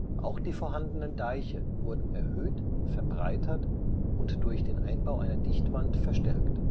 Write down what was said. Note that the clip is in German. Auch die vorhandenen Deiche wurden erhöht, verbreitert und durch den Einbau einer Dichtwand verstärkt